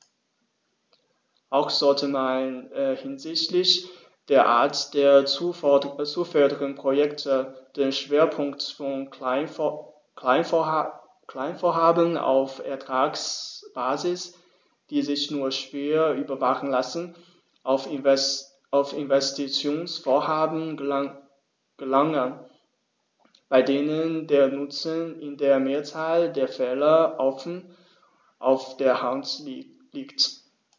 Auch sollte man hinsichtlich der Art der zu fördernden Projekte den Schwerpunkt von Kleinvorhaben auf Ertragsbasis, die sich nur schwer überwachen lassen, auf Investitionsvorhaben verlagern, bei denen der Nutzen in der Mehrzahl der Fälle offen auf der Hand liegt.